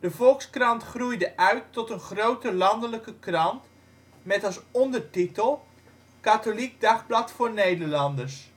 Volkskrant groeide uit tot een grote landelijke krant, met als ondertitel ' katholiek dagblad voor Nederlanders